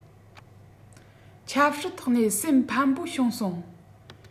ཆབ སྲིད ཐོག ནས སེམས ཕམས པོ བྱུང སོང